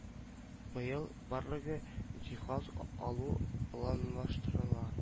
Быел барлыгы җиһаз алу планлаштырыла